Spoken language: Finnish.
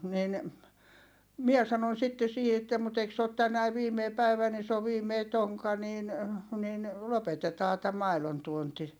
niin minä sanoin sitten siihen että mutta eikö se ole tänään viimeinen päivä niin se on viimeinen tonkka niin niin lopetetaan tämä maidontuonti